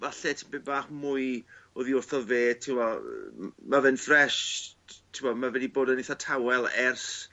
falle tipyn bach mwy oddi wrtho fe ti'mo' yy ma' fe'n ffres t- t'mo' ma' fe 'edi bod yn eitha tawel ers